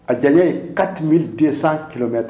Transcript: A diya ka tɛmɛ dɛsɛ kɛlɛmɛ ta